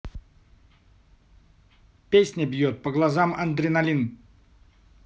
песня бьет по глазам адреналин